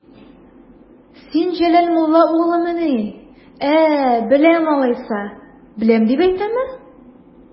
Син Җәләл мулла угълымыни, ә, беләм алайса, беләм дип әйтәме?